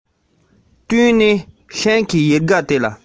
མ ནེའི བར གདོང ཡོད ཚད ལ